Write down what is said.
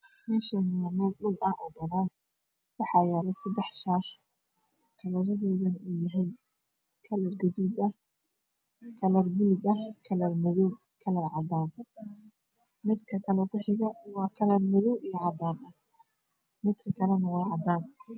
Meshan waa mel banan ah waxaa yalo sedax shaash kalar kode waa gadud iyo baluug iyo madow iyo cadan